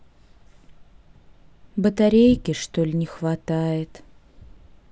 батарейки что ли не хватает